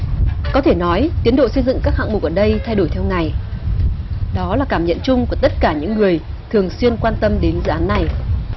có thể nói tiến độ xây dựng các hạng mục ở đây thay đổi theo ngày đó là cảm nhận chung của tất cả những người thường xuyên quan tâm đến dự án này